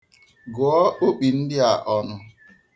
Gụọ okpi ndị a ọnụ.